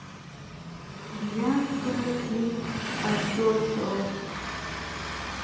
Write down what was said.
бьянка клип а че че